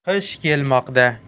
qish kelmoqda